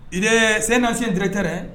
Il est, c'est un ancien directeur hein